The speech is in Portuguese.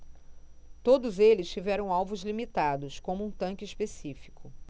todos eles tiveram alvos limitados como um tanque específico